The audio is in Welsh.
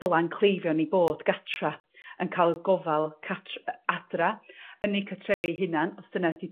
dyla'n cleifion ni bod gatra yn ca'l y gofal cat - yy adra yn eu cartrefu 'u hunan os dyna 'di